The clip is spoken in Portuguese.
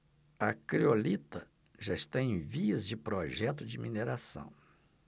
a criolita já está em vias de projeto de mineração